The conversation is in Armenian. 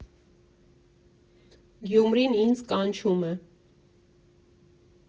Գյումրին ինձ կանչում է։